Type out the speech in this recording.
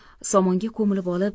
somonga ko'milib olib